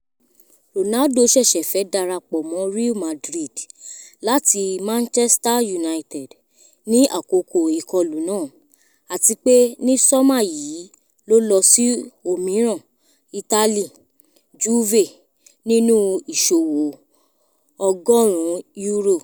Ronaldo ṣẹ̀ṣẹ̀ fẹ́ darapọ̀ mọ́ Real Madrid láti Manchester United ni àkókò ìkọlù náà, àtipé ní sọ́mà yìí ló lọ sí òmìràn ìtálí Juve nínú ìṣòwò €100.